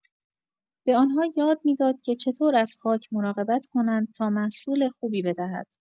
به آن‌ها یاد می‌داد که چطور از خاک مراقبت کنند تا محصول خوبی بدهد.